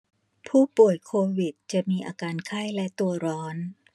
ผู้ป่วยโควิดจะมีอาการไข้และตัวร้อน